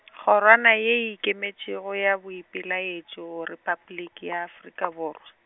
kgorwana ye Ikemetšego ya Boipelaetšo Repabliki ya Afrika Borwa.